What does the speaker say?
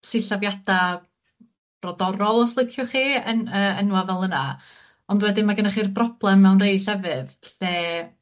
sillafiada brodorol, os liciwch chi yn- yy enwa' fel yna ond wedyn mae gennoch chi'r broblem mewn rhai llefydd lle